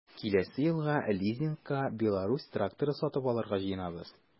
Киләсе елга лизингка “Беларусь” тракторы сатып алырга җыенабыз.